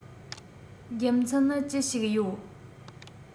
རྒྱུ མཚན ནི ཅི ཞིག ཡོད